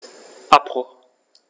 Abbruch.